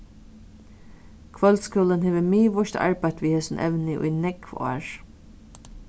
kvøldskúlin hevur miðvíst arbeitt við hesum evni í nógv ár